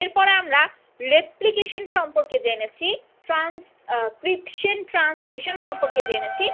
এরপর আমরা রেপ্লিকেশন সম্পর্কে জেনেছি ট্রানস্ক্রিপশন ট্রানসলেশন সম্পর্কে জেনেছি